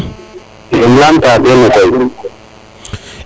i lamta kene koy